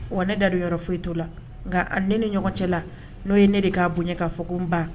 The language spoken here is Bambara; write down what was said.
Wa ne da don yɔrɔ foyi t' la nka ne ni ɲɔgɔn cɛ la n'o ye ne de k'a bonya k'a fɔ ko n ba